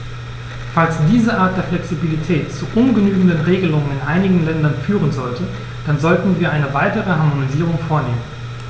Falls diese Art der Flexibilität zu ungenügenden Regelungen in einigen Ländern führen sollte, dann sollten wir eine weitere Harmonisierung vornehmen.